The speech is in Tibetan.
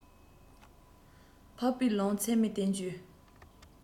འཕགས པའི ལུང ཚད མའི བསྟན བཅོས